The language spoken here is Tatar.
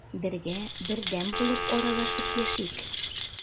Бергә, бердәм булып аралашып яшик.